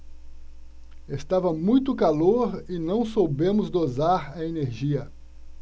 estava muito calor e não soubemos dosar a energia